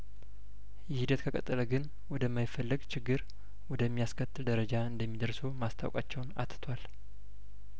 ይህ ሂደት ከቀጠለግን ወደማይፈለግ ችግር ወደሚ ያስከትል ደረጃ እንደሚደርሱ ማስታወ ቃቸውን አትቷል